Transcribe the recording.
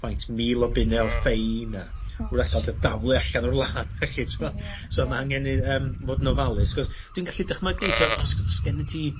faint? Mil o bunne o ffein a... Gosh. ...'w'rach ga'l dy daflu allan o'r wlad felly so so ma' angen i yym fod yn ofalus 'c'os dwi'n gallu dychmygu t'w'od os 's sgeni ti